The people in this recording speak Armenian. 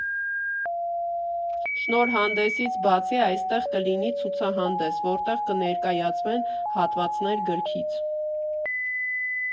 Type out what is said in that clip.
Շնորհանդեսից բացի այստեղ կլինի ցուցահանդես, որտեղ կներկայացվեն հատվածներ գրքից։